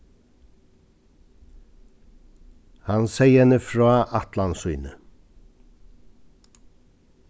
hann segði henni frá ætlan síni